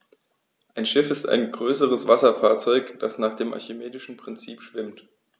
Ein Schiff ist ein größeres Wasserfahrzeug, das nach dem archimedischen Prinzip schwimmt.